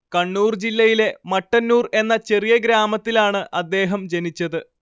കണ്ണൂർ ജില്ലയിലെ മട്ടന്നൂർ എന്ന ചെറിയ ഗ്രാമത്തിലാണ് അദ്ദേഹം ജനിച്ചത്